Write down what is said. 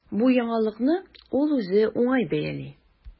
Бу яңалыкны ул үзе уңай дип бәяли.